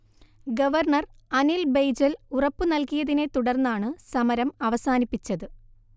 governor Anil Baijal ഉറപ്പു നൽകിയതിനെ തുടർന്നാണ് സമരം അവസാനിപ്പിച്ചത്